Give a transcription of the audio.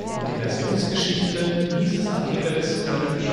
ungewichtete Kanten